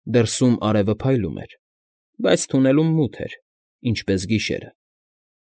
Դրսում արևը փայլում էր, բայց թունելում մութ էր, ինչպես գիշերը։